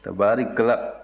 tabaarikala